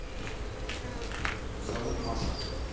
зовут маша